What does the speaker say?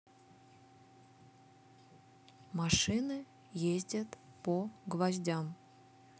машины ездят по гвоздям